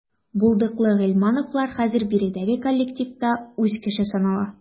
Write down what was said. Булдыклы гыйльмановлар хәзер биредәге коллективта үз кеше санала.